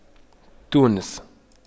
تونس